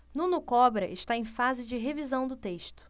nuno cobra está em fase de revisão do texto